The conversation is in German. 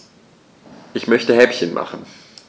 Ich möchte Häppchen machen.